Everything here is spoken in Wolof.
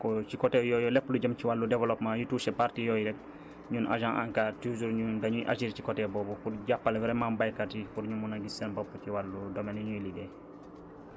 donc ci côté yooyu lépp lu jëm ci wàllu développement yi touché parties yooyu rekk ñun agent ANCAR toujours ñun dañuy attiré ci côté boobu pour jàppale vraiment baykat yi pour ñu mun a gis seen bopp ci wàllu domaine bi ñuy liggéey